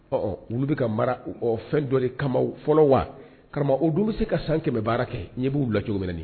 Ɔ olu bɛ ka mara fɛn dɔ de kama fɔlɔ wa karamɔgɔ o dun bɛ se ka san kɛmɛ baara kɛ ɲɛ b'u bila cogominɛ